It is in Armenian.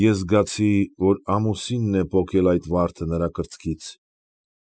Ես զգացի, որ ամուսինն է պոկել այդ վարդը նրա կրծքից։